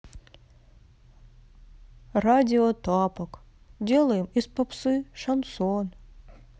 радио тапок делаем из попсы шансон